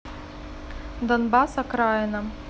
донбасс окраина